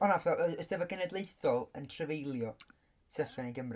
O na fatha yy y 'Steddfod Genedlaethol yn trafeilio tu allan i Gymru.